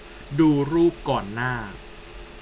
ดูรูปก่อนหน้า